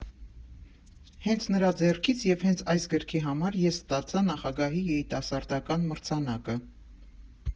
Հենց նրա ձեռքից և հենց այս գրքի համար ես ստացա Նախագահի երիտասարդական մրցանակը։